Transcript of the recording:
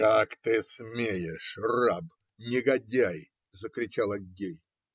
- Как ты смеешь, раб, негодяй! - закричал Аггей.